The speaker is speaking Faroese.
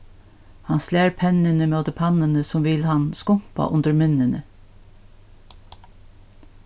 hann slær pennin móti pannuni sum vil hann skumpa undir minnini